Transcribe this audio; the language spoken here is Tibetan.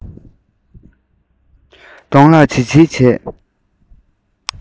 གདོང ལ བྱིལ བྱིལ བྱེད